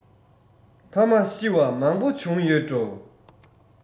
ཕ མ ཤི བ མང པོ བྱུང ཡོད འགྲོ